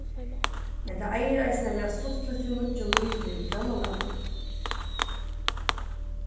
men tað eigur eisini at vera stuttligt við nýggjum lívi í grannalagnum